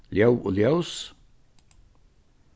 ljóð og ljós